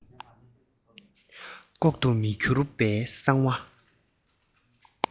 ལྐོག ཏུ མ གྱུར པའི གསང བ